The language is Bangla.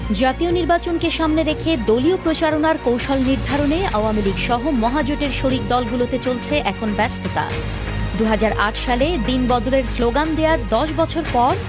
জাতীয় নির্বাচনকে সামনে রেখে দলীয় প্রচারণা কৌশল নির্ধারণী আওয়ামী লীগসহ মহাজোটের শরিক দল গুলোতে চলছে এখন ব্যস্ততা ২০০৮ সালে দিনবদলের স্লোগান দেয়ার ১০ বছর পর